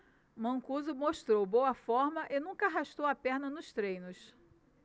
mancuso mostrou boa forma e nunca arrastou a perna nos treinos